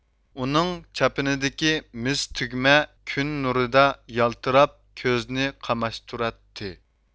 ئۇنىڭ چاپىنىدىكى مىس تۈگمە كۈن نۇرىدا يالتىراپ كۆزنى قاماشتۇراتتى